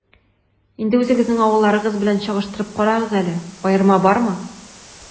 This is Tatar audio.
Инде үзегезнең авылларыгыз белән чагыштырып карагыз әле, аерма бармы?